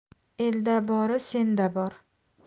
elda bori senda bori